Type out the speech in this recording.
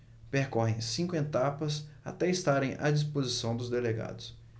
percorrem cinco etapas até estarem à disposição dos delegados